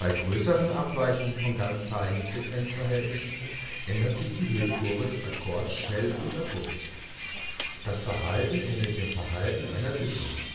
größeren Abweichungen von ganzzahligen Frequenzverhältnissen ändert sich die Hüllkurve des Akkords schnell und abrupt (gelbe Kurve, 3. von oben). Das Verhalten ähnelt dem Verhalten einer Dissonanz (rote Kurve unten